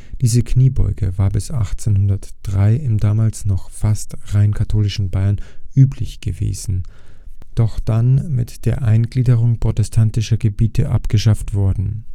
Diese Kniebeuge war bis 1803 im damals noch fast rein katholischen Bayern üblich gewesen, doch dann mit der Eingliederung protestantischer Gebiete abgeschafft worden